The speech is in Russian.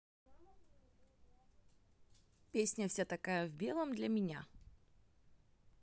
песня вся такая в белом для меня